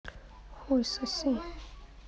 хуй соси